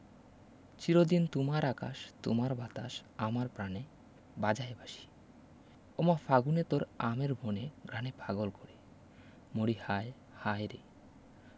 চিরদিন তোমার আকাশ তোমার বাতাস আমার প্রাণে বাজায় বাঁশি ও মা ফাগুনে তোর আমের বনে ঘ্রাণে পাগল করে মরি হায় হায় রে